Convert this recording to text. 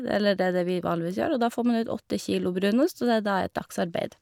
Eller det er det vi vanligvis gjør, og da får man ut åtte kilo brunost, og det er da et dagsarbeid.